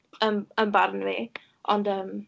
Yym yn barn fi. Ond yym...